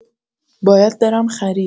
باید برم خرید.